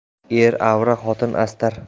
er avra xotin astar